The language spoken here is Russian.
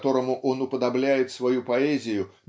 которому он уподобляет свою поэзию